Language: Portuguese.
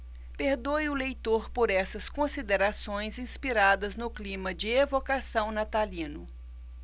perdoe o leitor por essas considerações inspiradas no clima de evocação natalino